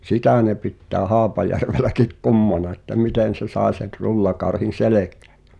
sitä ne pitää Haapajärvelläkin kummana että miten se sai sen rullakarhin selkään ja